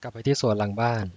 กลับไปที่สวนหลังบ้าน